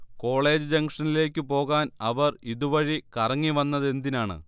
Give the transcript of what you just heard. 'college ജംഗ്ഷനിലേക്കു പോകാൻഅവർ ഇതു വഴി കറങ്ങി വന്നതെന്തിനാണ്'